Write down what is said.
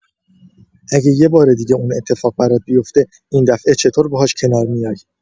اگه یه بار دیگه اون اتفاق برات بیفته، این دفعه چطور باهاش کنار میای؟